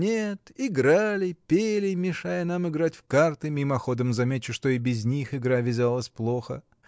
Нет, играли, пели, мешая нам играть в карты (мимоходом замечу, что и без них игра вязалась плохо.